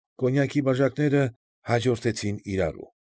Կոնյակի բաժակները հաջորդեցին իրարու։